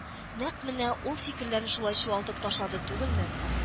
Нәкъ менә ул фикерләрен шулай чуалтып ташлады түгелме